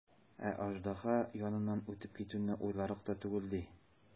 Ә аждаһа яныннан үтеп китүне уйларлык та түгел, ди.